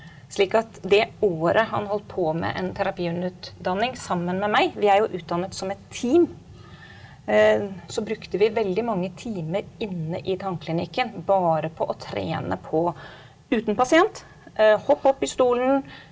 slik at det året han holdt på med en terapihundutdanning sammen med meg, vi er jo utdannet som et team, så brukte vi veldig mange timer inne i tannklinikken bare på å trene på uten pasient hopp opp i stolen.